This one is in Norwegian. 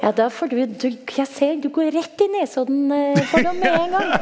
ja da får du du jeg ser du går rett i Nesodden-fordom med en gang.